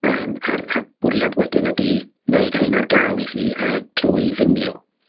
Yym a'r a'r bwriad wedyn ydi gwneud hein ar gael i chi yy drwy Vimeo.